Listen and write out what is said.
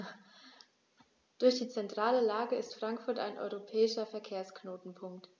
Durch die zentrale Lage ist Frankfurt ein europäischer Verkehrsknotenpunkt.